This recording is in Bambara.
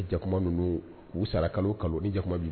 Jakuma ninnu u sara kalo kalo ni jamukuma bɛ